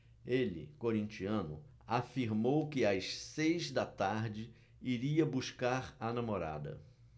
ele corintiano afirmou que às seis da tarde iria buscar a namorada